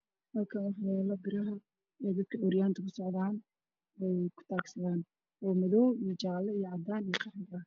Waa biraha qofka lug la-aanta uu ku socdo oo fara badan oo meel yaalaan